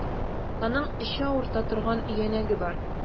Аның эче авырта торган өянәге бар.